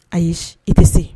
Ayi i tɛ se